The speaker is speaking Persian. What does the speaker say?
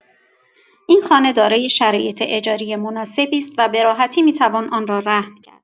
این خانه دارای شرایط اجاری مناسبی است و به راحتی می‌توان آن را رهن کرد.